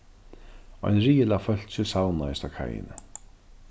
ein riðil av fólki savnaðist á kaiini